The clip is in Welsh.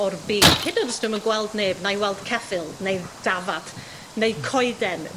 o'r byd hyd yn o'd os dwi'm yn gweld neb nai weld ceffyl, neu dafad, neu coeden,